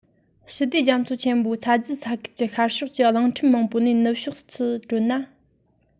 ཞི བདེ རྒྱ མཚོ ཆེན མོའི ཚ རྒྱུད ས ཁུལ གྱི ཤར ཕྱོགས ཀྱི གླིང ཕྲན མང པོ ནས ནུབ ཕྱོགས སུ བགྲོད ན